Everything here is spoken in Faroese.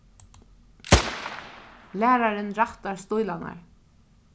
lærarin rættar stílarnar